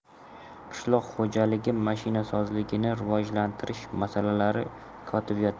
qishloq xo'jaligi mashinasozligini rivojlantirish masalalari kotibiyati